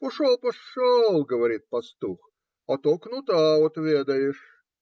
- Пошел, пошел, - говорит пастух, - а то кнута отведаешь.